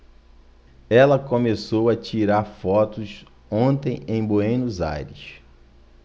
ela começou a tirar fotos ontem em buenos aires